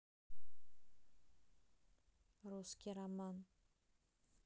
русский роман